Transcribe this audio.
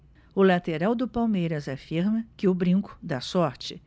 o lateral do palmeiras afirma que o brinco dá sorte